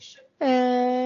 Yym